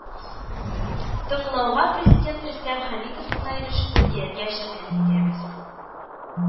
Тыңлауга президент рөстәм хәмитов кына иреште, дияргә җөрьәт итәбез